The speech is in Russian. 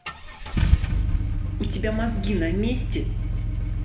у тебя мозги на месте